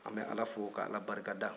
an bɛ ala fo ka ala barikada